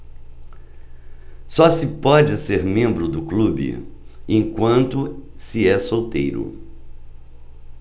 só se pode ser membro do clube enquanto se é solteiro